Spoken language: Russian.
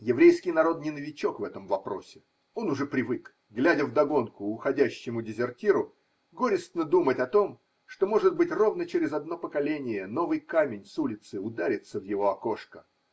Еврейский народ не новичок в этом вопросе – он уже привык, глядя вдогонку уходя тему дезертиру, горестно думать о том, что, может быть, ровно через одно поколение новый камень с улицы ударится в его окошко.